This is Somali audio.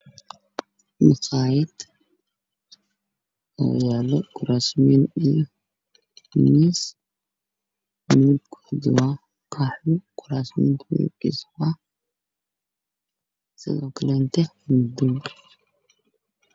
Waa maqaayad waxaa yaalo kuraas guduud ah dhulka waa caddaan